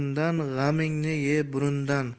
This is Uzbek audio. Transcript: g'amingni ye burundan